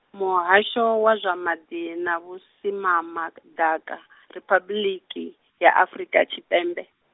Muhasho wa zwa maḓi na Vhusimamaḓaka, Riphabuḽiki, ya Afrika Tshipembe.